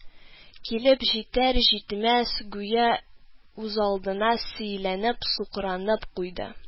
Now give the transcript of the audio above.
Килеп җитәр-җитмәс, гүя үзалдына сөйләнеп-сукранып куйды: